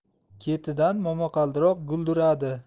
ketidan momaqaldiroq gulduradi